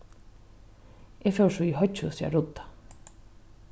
eg fór so í hoyggjhúsið at rudda